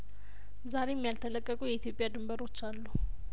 ዛሬም ያልተለቀቁ የኢትዮጵያ ድንበሮች አሉ